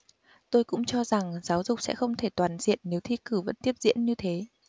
tôi cũng cho rằng giáo dục sẽ không thể toàn diện nếu thi cử vẫn tiếp diễn như thế